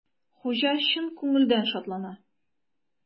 Хуҗа чын күңелдән шатлана.